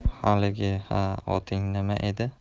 haligi ha oting nima edi